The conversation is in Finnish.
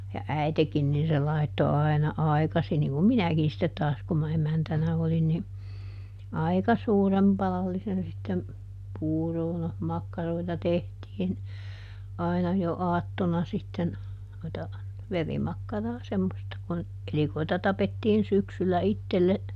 ja äitikin niin se laittoi aina aikaisin niin kuin minäkin sitten taas kun minä emäntänä olin niin aika suuren padallisen sitten puuroa no makkaroita tehtiin aina jo aattona sitten noita verimakkaraa semmoista kun elikoita tapettiin syksyllä itselle